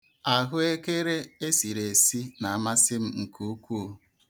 Ahụekere e siri esi na-amasị m nke ukwu.